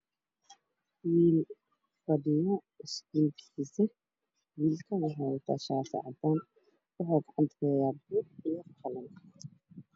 Wiil fadhiyo school kiisa wiilka wuxu wataa shaati cadaan wuxu gacnta ku hayaa book iyo qalin